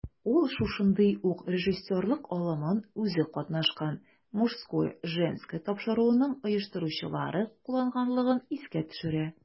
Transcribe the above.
Ул шушындый ук режиссерлык алымын үзе катнашкан "Мужское/Женское" тапшыруының оештыручылары кулланганлыгын искә төшерә.